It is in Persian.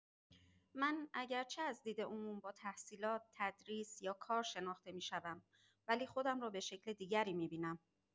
من اگرچه از دید عموم با تحصیلات، تدریس یا کار شناخته می‌شوم؛ ولی خودم را به شکل دیگری می‌بینم.